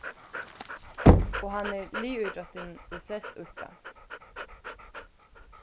og hann er liðítróttin ið flest íðka